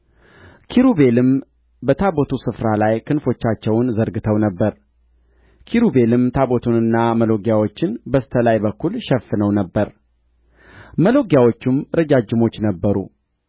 ኪሩቤልም በታቦቱ ስፍራ ላይ ክንፎቻቸውን ዘርግተው ነበር ኪሩቤልም ታቦቱንና መሎጊያዎቹን በስተ ላይ በኩል ሸፍነው ነበር መሎጊያዎቹም ረጃጅሞች ነበሩ